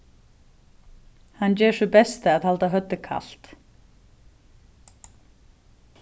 hann ger sítt besta at halda høvdið kalt